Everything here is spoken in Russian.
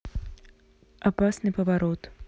опасный поворот